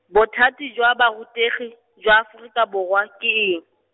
bothati jwa borutegi, jwa Aforika Borwa, ke eng?